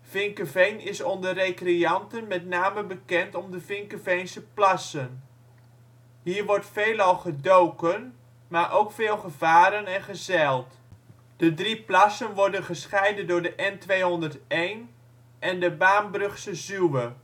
Vinkeveen is onder recreanten met name bekend om de Vinkeveense Plassen. Hier wordt veelal gedoken, maar ook veel gevaren en gezeild. De drie plassen worden gescheiden door de N201 (de provinciale weg) en de Baambrugse Zuwe